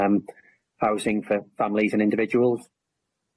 yym housing for families and individuals.